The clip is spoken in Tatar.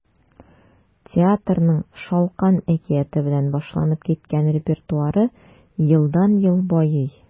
Театрның “Шалкан” әкияте белән башланып киткән репертуары елдан-ел байый.